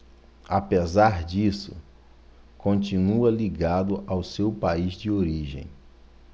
apesar disso continua ligado ao seu país de origem